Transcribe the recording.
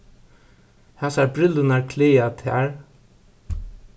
hasar brillurnar klæða tær